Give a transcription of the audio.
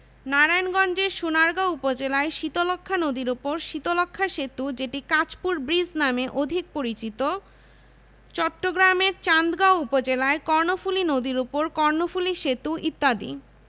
প্রধান খাদ্যঃ চাল গম সবজি ডাল মাছ এবং মাংস প্রধান শস্যঃ ধান পাট গম আলু চা তামাক ইক্ষু